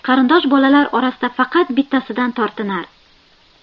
qarindosh bolalar orasida faqat bittasidan tortinar